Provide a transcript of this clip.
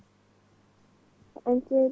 aɗa selli